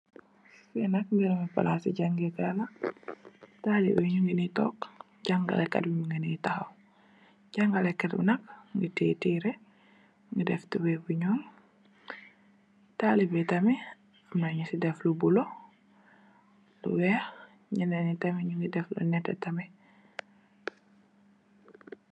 Li nak bèrabi palasi jangèè kai la, talibeh yi ñi ngi nii tóóg, jangaleh Kai ñi ngi nii tóóg. Jangalekai yi nak ñu ngi teyeh teré ñu def tubay bu ñuul. Talibeh yi tamit am na ñu ci def lu bula lu wèèx ñenen ñi tamit ñu ngi def lu netteh tamit.